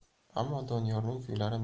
ammo doniyorning kuylari